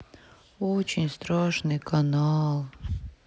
очень страшный канал